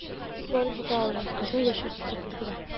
Тик барып җитә алмый, кызны яшен сугып өлгерә.